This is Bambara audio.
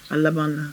A laban na.